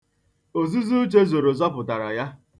Ozuzo Uche zoro zọpụtara ya.